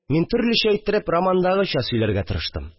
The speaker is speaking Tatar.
Мин төрлечә иттереп, романдагыча сөйләргә тырыштым